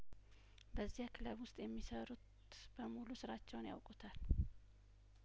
በዚያክለብ ውስጥ የሚሰሩት በሙሉ ስራቸውን ያውቁታል